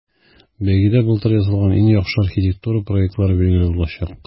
Бәйгедә былтыр ясалган иң яхшы архитектура проектлары билгеле булачак.